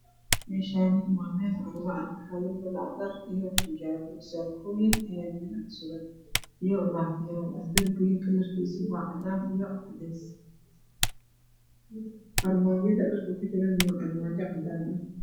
Meeshaan waa meel carwo ah waxaa lugu gadaa dhar oo xijaab iyo saako iyo baatiyo darbiga kalarkiisuna waa cadaan iyo cadeys. Armaajada dharku kujirana waa cadaan.